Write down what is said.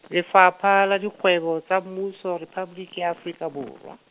Lefapha, la Dikgwebo, tsa Mmuso Rephaboliki ya Afrika Borwa.